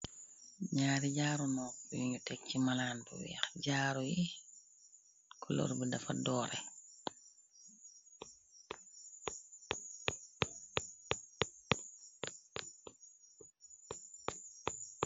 Naari jaaru noox biñu teg ci malaan bu wiix, jaaru yi koloor bi dafa doore.